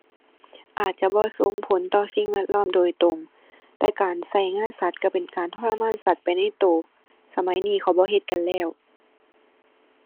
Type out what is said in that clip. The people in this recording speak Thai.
อาจจะบ่ส่งผลต่อสิ่งแวดล้อมโดยตรง แต่การใช้งานสัตว์ใช้เป็นการทรมานสัตว์ไปในใช้ สมัยนี้เขาบ่เฮ็ดกันแล้ว